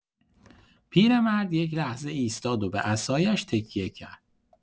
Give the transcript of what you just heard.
پیرمرد یک‌لحظه ایستاد و به عصایش تکیه کرد.